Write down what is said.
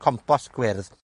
Compost gwyrdd.